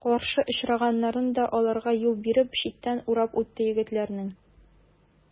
Каршы очраганнары да аларга юл биреп, читтән урап үтте егетләрнең.